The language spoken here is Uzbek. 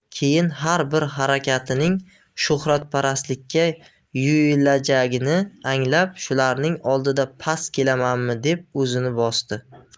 keyin har bir harakatining shuhratparastlikka yo'yilajagini anglab shularning oldida past kelamanmi deb o'zini bosdi